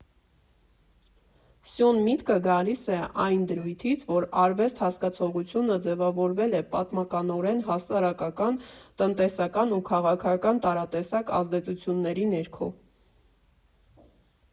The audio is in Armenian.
Սույն միտքը գալիս է այն դրույթից, որ «արվեստ» հասկացողությունը ձևավորվել է պատմականորեն՝ հասարակական, տնտեսական ու քաղաքական տարատեսակ ազդեցությունների ներքո։